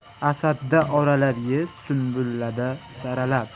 asadda oralab ye sunbulada saralab